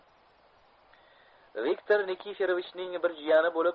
viktor nikiforovichning bir jiyani bo'lib